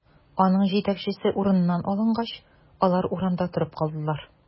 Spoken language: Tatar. Аның җитәкчесе урыныннан алынгач, алар урамда торып калдылар.